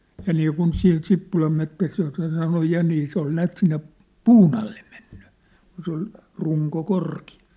ja niin kuin siinä Sippulan metsässä jossa sanoin ja niin se oli näet sinne puun alle mennyt kun se oli runko korkea